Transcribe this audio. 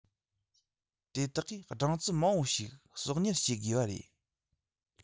དེ དག གིས སྦྲང རྩི མང པོ ཞིག གསོག ཉར བྱེད དགོས པ རེད